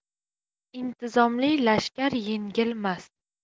intizomli lashkar yengilmas